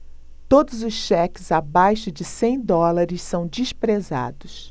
todos os cheques abaixo de cem dólares são desprezados